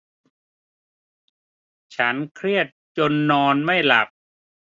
ฉันเครียดจนอนไม่หลับ